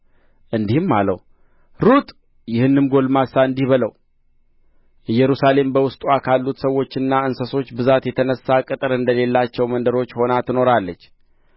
እንዲህም አለው ሩጥ ይህንም ጕልማሳ እንዲህ በለው ኢየሩሳሌም በውስጥዋ ካሉት ሰዎችና እንስሶች ብዛት የተነሣ ቅጥር እንደሌላቸው መንደሮች ሆና ትኖራለች